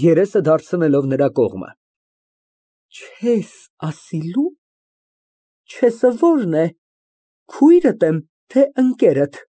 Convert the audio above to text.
Տար այս գլխարկը սենյակ։ ԶԱՐՈՒՀԻ ֊ (Վերցնում է թղթարկղը և գնում օրիորդների սենյակները)։